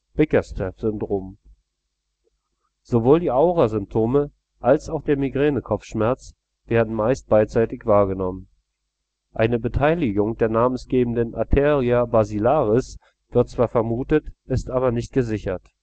Bickerstaff-Syndrom). Sowohl die Aurasymptome als auch der Migränekopfschmerz werden meist beidseitig wahrgenommen. Eine Beteiligung der namensgebenden Arteria basilaris wird zwar vermutet, ist aber nicht gesichert